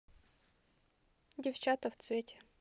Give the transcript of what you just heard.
девчата в цвете